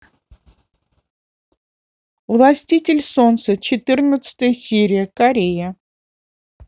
властитель солнца четырнадцатая серия корея